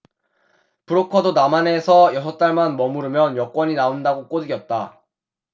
브로커도 남한에서 여섯달만 머무르면 여권이 나온다고 꼬드겼다